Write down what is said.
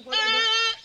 Hɛrɛ